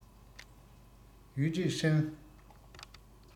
ཡུས ཀྲེང ཧྲེང